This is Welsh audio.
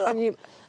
O'n i'n...